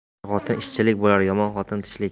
yaxshi xotin ishlik bo'lar yomon xotin tishlik